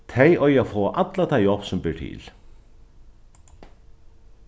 tey eiga at fáa alla ta hjálp sum ber til